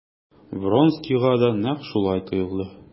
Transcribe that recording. Вронскийга да нәкъ шулай тоелды.